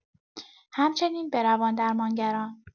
همچنین به روان‌درمانگران